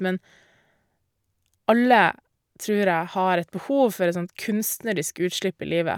Men alle, tror jeg, har et behov for et sånt kunstnerisk utslipp i livet.